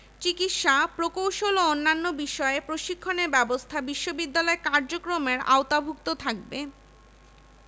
উপরিউক্ত প্রতিরোধ ছাড়াও এ বিশ্ববিদ্যালয় প্রতিষ্ঠায় আরও কিছু আইনগত ও বস্ত্তগত জটিলতা ছিল